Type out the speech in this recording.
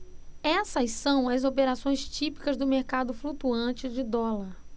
essas são as operações típicas do mercado flutuante de dólar